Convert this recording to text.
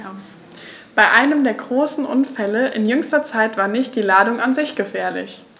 Bei einem der großen Unfälle in jüngster Zeit war nicht die Ladung an sich gefährlich.